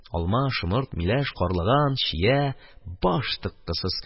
Алма, шомырт, миләш, карлыган, чия – баш тыккысыз.